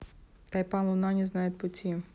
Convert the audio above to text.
тайпан луна не знает пути